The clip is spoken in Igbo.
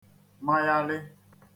mayalị̄